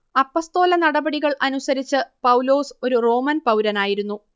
അപ്പസ്തോലനടപടികൾ അനുസരിച്ച് പൗലോസ് ഒരു റോമൻ പൗരനായിരുന്നു